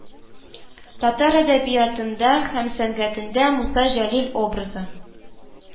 Татар әдәбиятында һәм сәнгатендә Муса Җәлил образы